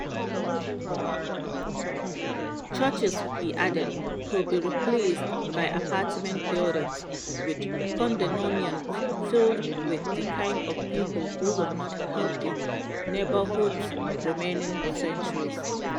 Churches, he added, could be replaced by apartment buildings with condominiums filled with the kind of people who will not help the neighborhood's remaining sanctuaries.